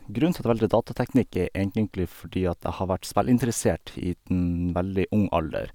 Grunnen til at jeg valgte datateknikk, er egentlig fordi at jeg har vært spillinteressert i dn veldig ung alder.